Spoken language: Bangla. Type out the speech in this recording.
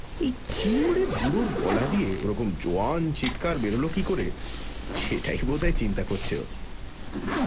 এই চিমড়ে বুড়োর গলা দিয়ে ওরকম জোয়ান চিৎকার বেরোল কী করে সেটাই বোধহয় চিন্তা করছে ও